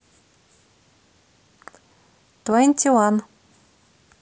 твенти уан